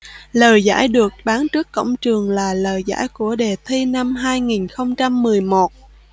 lời giải được bán trước cổng trường là lời giải của đề thi năm hai nghìn không trăm mười một